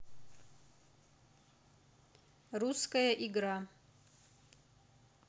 русская игра